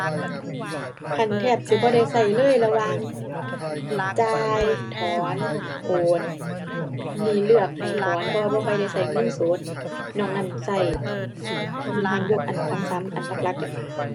คันแทบสิบ่ได้ใช้เลยระหว่างจ่าย ถอน โอน นี่เลือกให้ถอน เพราะว่าบ่ค่อยได้ใช้เงินสด นอกนั้นใช้ อันสามสามอันหลักหลักอะ